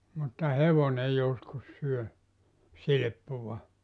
mutta hevonen joskus syö silppua